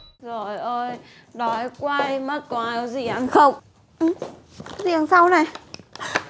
dời ơi đói quá đi mất có ai có gì ăn không cái gì đằng sau thế này